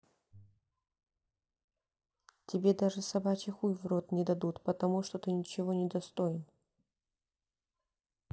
тебе даже собачий хуй в рот не дадут потому что ты ничего не достоин